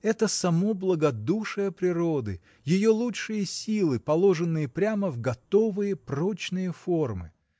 Это — само благодушие природы, ее лучшие силы, положенные прямо в готовые, прочные формы.